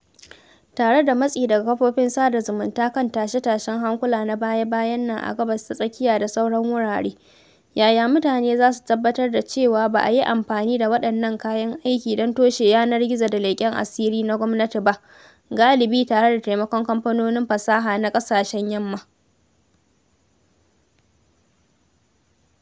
Tare da matsi daga kafofin sada zumunta kan tashe-tashen hankula na baya-bayan nan a Gabas ta Tsakiya da sauran wurare, yaya mutane za su tabbatar da cewa ba a yi amfani da waɗannan kayan aikin don toshe yanar gizo da leƙen asiri na gwamnati ba (galibi tare da taimakon kamfanonin fasaha na ƙasashen Yamma)?